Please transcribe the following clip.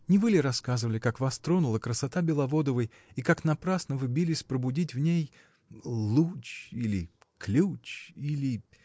Не вы ли рассказывали, как вас тронула красота Беловодовой и как напрасно вы бились пробудить в ней. луч. или ключ. или.